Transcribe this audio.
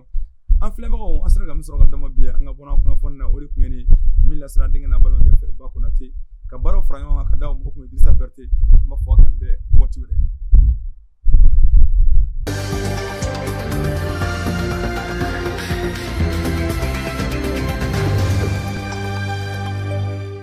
An filɛbagaw a sɔrɔ ka bi ka bɔnf na o tun bɛ la denkɛ ten ka baara fara ɲɔgɔn kan ka di sati an fɔ cogo